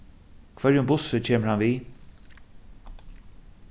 hvørjum bussi kemur hann við